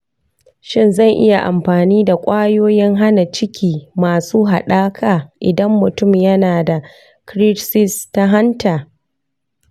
shin zan iya amfani da kwayoyin hana ciki masu haɗaka idan mutum yana da cirrhosis ta hanta ?